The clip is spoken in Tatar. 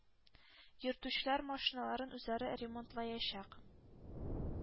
Йөртүчеләр машиналарын үзләре ремонтлаячак.